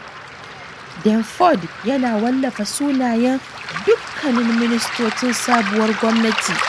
Denford yana wallafa sunayen dukkanin ministocin sabuwar gwamnati.